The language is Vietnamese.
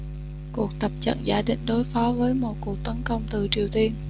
cuộc tập trận giả định đối phó với một cuộc tấn công từ triều tiên